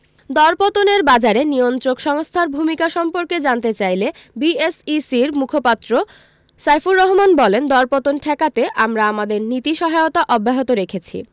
দরপতনের বাজারে নিয়ন্ত্রক সংস্থার ভূমিকা সম্পর্কে জানতে চাইলে বিএসইসির মুখপাত্র সাইফুর রহমান বলেন দরপতন ঠেকাতে আমরা আমাদের নীতি সহায়তা অব্যাহত রেখেছি